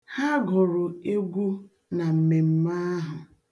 Gụọ egwu ahụ ka onye dị ndụ.